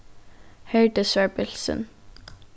herdis var bilsin